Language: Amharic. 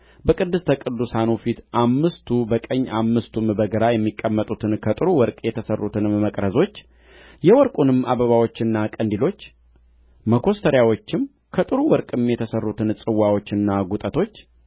በቅድስተ ቅዱሳኑ ፊት አምስቱ በቀኝ አምስቱም በግራ የሚቀመጡትን ከጥሩ ወርቅ የተሠሩትንም መቅረዞች የወርቁንም አበባዎችና ቀንዲሎች መኰስተሪያዎችም ከጥሩ ወርቅም የተሠሩትን ጽዋዎችና ጕጠቶች